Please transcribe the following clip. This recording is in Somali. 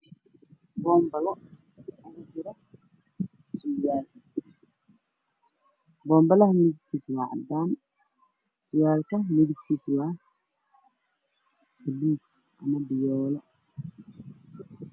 Boombalo kudhex jiro surwaal boombalaha midabkiisu waa cadaan surwaalka midabkiisa waa buluug ama biyooro